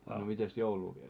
no mitenkäs joulua vietettiin